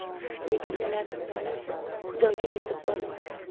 lekin ularning nolasi xudoga yetib bormabdi